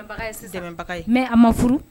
mais a ma furu